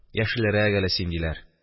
Яшелрәк әле син, диләр.